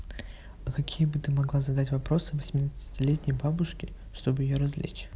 а какие бы ты могла задать вопросы восьмидесятилетней бабушки чтобы ее развлечь